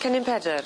Cennin Pedyr.